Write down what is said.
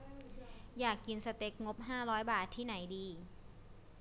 อยากกินสเต็กงบห้าร้อยบาทที่ไหนดี